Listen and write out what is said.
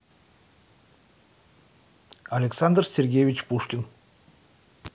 александр сергеевич пушкин